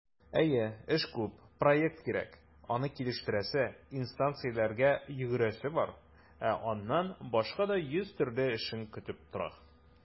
Әйе, эше күп - проект кирәк, аны килештерәсе, инстанцияләргә йөгерәсе бар, ә аннан башка да йөз төрле эшең көтеп тора.